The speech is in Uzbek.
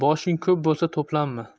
boshing ko'p bo'lsa to'planma